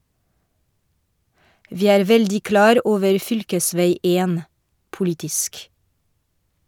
- Vi er veldig klar over fylkesvei 1 - politisk.